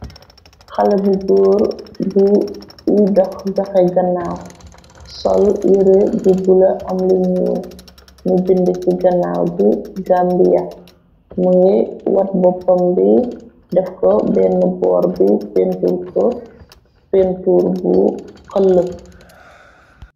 Xalabi joor bu iy dox jaxe ganaaw sol yere bu bula am liñuur ni bind ci ganaaw gi gambia mingay wat boppam bi def ko benn boor bi enr o pentur bu këll.